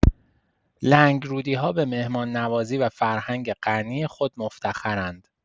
لنگرودی‌ها به مهمان‌نوازی و فرهنگ غنی خود مفتخرند.